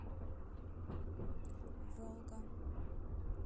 волга